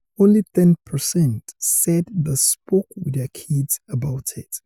Only 10 percent said they spoke with their kids about it.